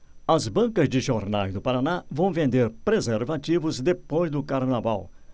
as bancas de jornais do paraná vão vender preservativos depois do carnaval